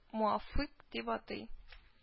Муафыйк дип атый